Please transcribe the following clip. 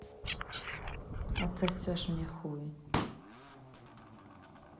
отсосешь мне хуй